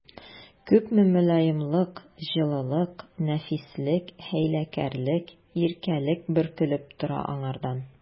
Күпме мөлаемлык, җылылык, нәфислек, хәйләкәрлек, иркәлек бөркелеп тора аңардан!